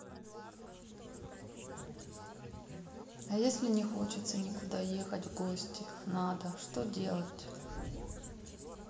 а если не хочется никуда ехать в гости а надо что делать